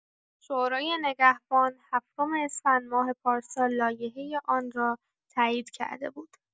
شورای نگهبان هفتم اسفندماه پارسال لایحه آن را تایید کرده بود.